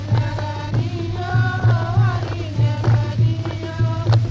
sanunɛgɛnin yo warinɛgɛnin yo